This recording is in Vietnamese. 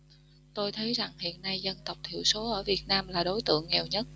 tôi thấy rằng hiện nay dân tộc thiểu số ở việt nam là đối tượng nghèo nhất